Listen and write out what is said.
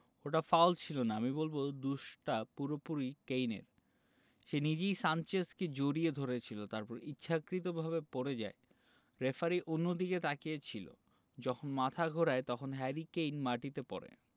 ওটা ফাউল ছিল না আমি বলব দোষটা পুরোপুরি কেইনের সে নিজেই সানচেজকে জড়িয়ে ধরেছিল তারপরে ইচ্ছাকৃতভাবে পড়ে যায় রেফারি অন্যদিকে তাকিয়ে ছিল যখন মাথা ঘোরায় তখন হ্যারি কেইন মাটিতে পড়ে